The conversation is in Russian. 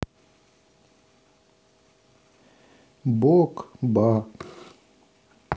бок ба